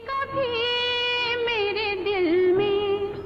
Ka tile m le min